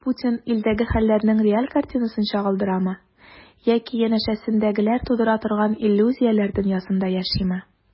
Путин илдәге хәлләрнең реаль картинасын чагылдырамы яки янәшәсендәгеләр тудыра торган иллюзияләр дөньясында яшиме?